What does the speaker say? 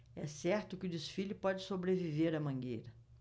é certo que o desfile pode sobreviver à mangueira